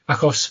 achos